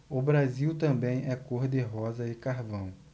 o brasil também é cor de rosa e carvão